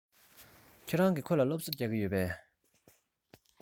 ཁྱེད རང གིས ཁོ ལ སློབ གསོ རྒྱག གི ཡོད པས